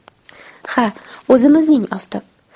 ha o'zimizning oftob